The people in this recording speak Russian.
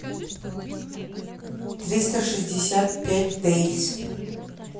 триста шестьдесят пять дейс